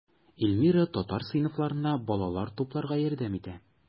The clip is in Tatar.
Эльмира татар сыйныфларына балалар тупларга ярдәм итә.